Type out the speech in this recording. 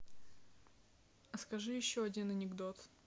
а скажи еще один анекдот